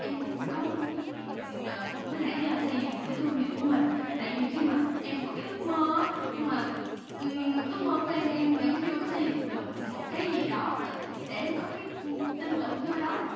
em cũng có mong muốn mình cũng có thể xây dựng thương hiệu của mình tại vì khi mà em ước mơ nhưng mà ừ ước mơ của em em vẫn chưa có xây dựng được một cái gì đó để em có cái tin tưởng như cái đó được